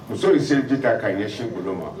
Muso in se ji ta k'a ɲɛsin bolo ma